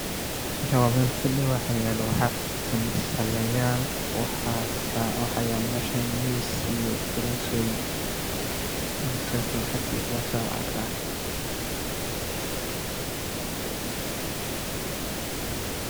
Waa qol waxaa yaalo kuraas iyo miis oo caddaan ah waana kuraas iyo mid qurux badan dhulka waa roob caddaan shumac yaalo